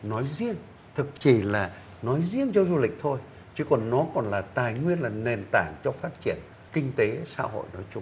nói riêng thực chỉ là nói riêng cho du lịch thôi chứ còn nó còn là tài nguyên là nền tảng cho phát triển kinh tế xã hội nói chung